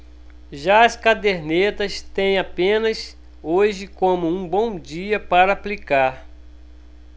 já as cadernetas têm apenas hoje como um bom dia para aplicar